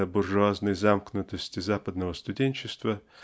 до буржуазной замкнутости западного студенчества